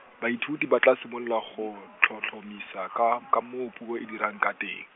baithuti ba tla simolola go tlhotlhomisa ka, ka moo puo e dirang ka teng.